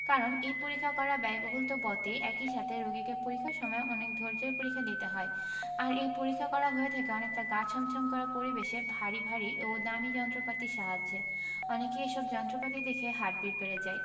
কারণ এই পরীক্ষা করা ব্যয়বহুল তো বটেই একই সাথে রোগীকে পরীক্ষার সময় অনেক ধৈর্য্যের পরীক্ষা দিতে হয় আর এই পরীক্ষা করা হয়ে থাকে অনেকটা গা ছমছম করা পরিবেশে ভারী ভারী ও দামি যন্ত্রপাতির সাহায্যে অনেকের এসব যন্ত্রপাতি দেখেই হার্টবিট বেড়ে যায়